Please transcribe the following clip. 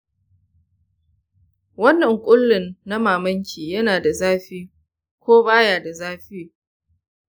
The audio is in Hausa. wannan ƙullun na maman yana da zafi ko ba ya da zafi?